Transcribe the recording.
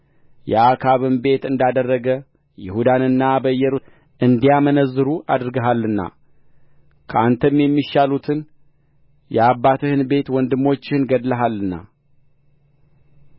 የአክዓብም ቤት እንዳደረገ ይሁዳንና በኢየሩሳሌም የሚኖሩትን እንዲያመነዝሩ አድርገሃልና ከአንተም የሚሻሉትን የአባትህን ቤት ወንድሞችህን ገድለሃልና